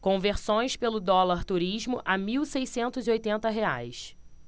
conversões pelo dólar turismo a mil seiscentos e oitenta reais